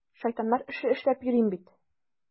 Шайтаннар эше эшләп йөрим бит!